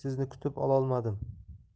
sizni kutib ololmadim